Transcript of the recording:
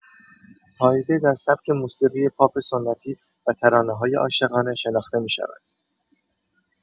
هایده در سبک موسیقی پاپ سنتی و ترانه‌های عاشقانه شناخته می‌شود.